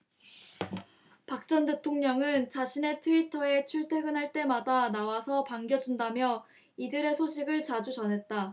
박 전 대통령은 자신의 트위터에 출퇴근할 때마다 나와서 반겨준다며 이들의 소식을 자주 전했다